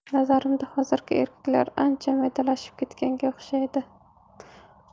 nazarimda hozirgi erkaklar ancha maydalashib ketganga o'xshashadi